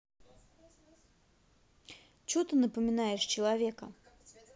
че ты напоминаешь человека